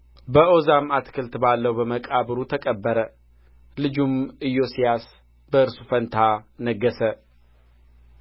በዖዛም አትክልት ባለው በመቃብሩ ተቀበረ ልጁም ኢዮስያስ በእርሱ ፋንታ ነገሠ